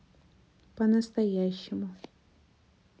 по настоящему